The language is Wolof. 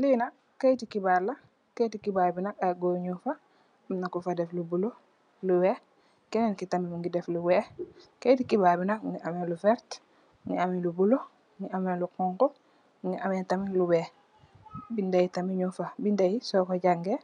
Li nak kayiti xibarr la, kayiti xibarr bi nak ay gór ñing fa, am na ku fa dèf lu bula lu wèèx, kenen ki tamit mugii def lu wèèx. Kayiti xibarr bi nak mugii ameh lu werta, mugii ameh lu bula am lu xonxu mugii ameh tamit lu wèèx. Bindé tamit mung fa, bindé yi so ko jangèè